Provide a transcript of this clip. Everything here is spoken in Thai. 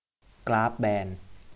กราฟแบรนด์